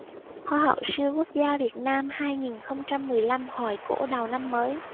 hoa hậu siêu quốc gia việt nam hai nghìn không trăm mười lăm hoài cổ đầu năm mới